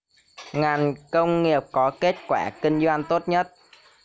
ngành công nghiệp có kết quả kinh doanh tốt nhất